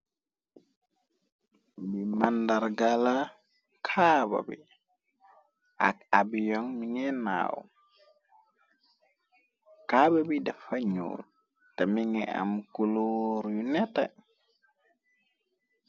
Bi màndargala kaaba bi ak abiyoŋg mi ngennaaw kaaba bi defa ñuul te mi nga am kuloor yu neta.